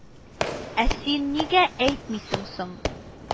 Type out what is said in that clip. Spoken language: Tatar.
Ә син нигә әйтмисең соң